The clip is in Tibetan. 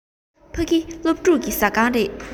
ཕ གི སློབ ཕྲུག གི ཟ ཁང རེད